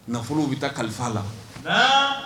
Nafolow bɛ taa kalifa la